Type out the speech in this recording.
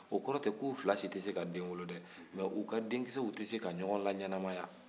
o kɔrɔ tɛ k'u fila si tɛ se ka den wolo dɛ nka u ka denkisɛw tɛ se ka ɲɔgɔn laɲɛnamaya